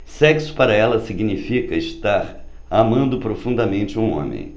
sexo para ela significa estar amando profundamente um homem